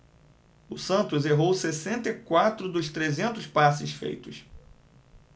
o santos errou sessenta e quatro dos trezentos passes feitos